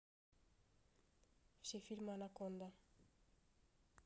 все фильмы анаконда